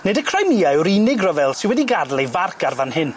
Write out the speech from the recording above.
Nid y Crimea yw'r unig ryfel sy wedi gad'el ei farc ar fan hyn.